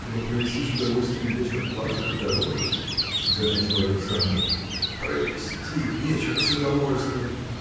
чтобы провести с удовольствием вечер платят и дороже – заметил Александр. – Провести вечер с удовольствием!